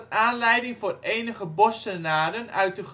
aanleiding voor enige Bosschenaren uit de